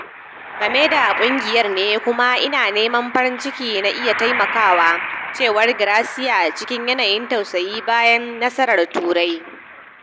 Game da kungiyar ne., Kuma ina mai farin ciki na iya taimakawa, "cewar Garcia cikin yanayin tausayi bayan nasarar Turai.